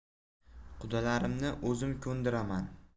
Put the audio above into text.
qudalarimni o'zim ko'ndiraman